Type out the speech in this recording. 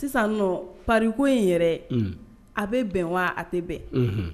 Sisan pariko in yɛrɛ a bɛ bɛn wa a tɛ bɛn